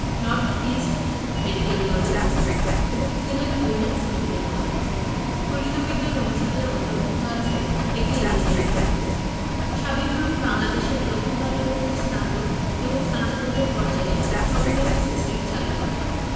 north East Medical College এবং Sylhet Women's Medical College ফলিত বিজ্ঞান অনুষদের অন্তর্ভুক্ত আছে একটি ইঞ্জিনিয়ারিং কলেজ সাবিপ্রবি বাংলাদেশে প্রথম বারের মতো স্নাতক এবং স্নাতকোত্তর পর্যায়ে সমন্বিত সিস্টেম চালু করে